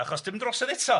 achos di'm drosodd eto.